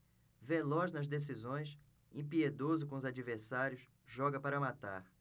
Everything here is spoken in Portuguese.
veloz nas decisões impiedoso com os adversários joga para matar